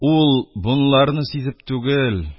Ул бунларны сизеп түгел